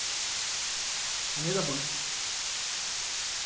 hann hevur tað fínt